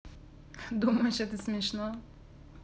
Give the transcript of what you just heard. думаешь это смешно